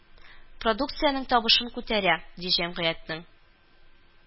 Продукциянең табышын күтәрә, ди җәмгыятьнең